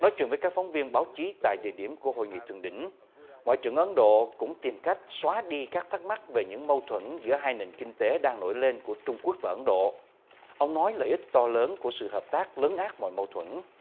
nói chuyện với các phóng viên báo chí tại địa điểm của hội nghị thượng đỉnh ngoại trưởng ấn độ cũng tìm cách xóa đi các thắc mắc về những mâu thuẫn giữa hai nền kinh tế đang nổi lên của trung quốc và ấn độ ông nói lợi ích to lớn của sự hợp tác lấn át mọi mâu thuẫn